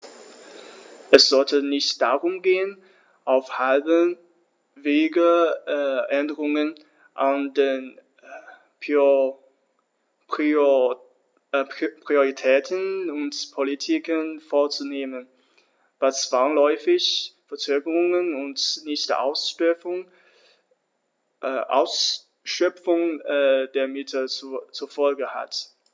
Es sollte nicht darum gehen, auf halbem Wege Änderungen an den Prioritäten und Politiken vorzunehmen, was zwangsläufig Verzögerungen und Nichtausschöpfung der Mittel zur Folge hat.